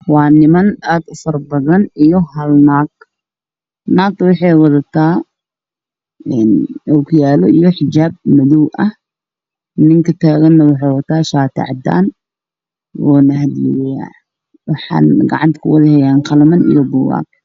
Waa niman aad u faro badan iyo hal naag. Naagta waxay wadataa xijaab madow iyo ookiyaalo, ninka taagan waxuu wataa shaati cadaan ah waana hadlooya waxay gacanta ku wataan qalimaan iyo buugaag.